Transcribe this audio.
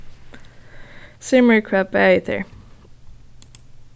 sig mær hvat bagir tær